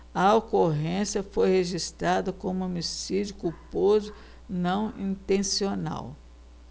a ocorrência foi registrada como homicídio culposo não intencional